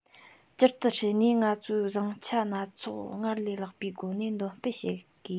ཇི ལྟར བྱས ནས ང ཚོའི བཟང ཆ སྣ ཚོགས སྔར ལས ལེགས པའི སྒོ ནས འདོན སྤེལ བྱ དགོས